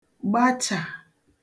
gbachà